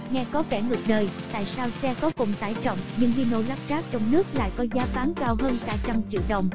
nghe có vẻ ngược đời tại sao xe có cùng tải trọng nhưng hino lắp ráp trong nước có giá cao hơn cả trăm triệu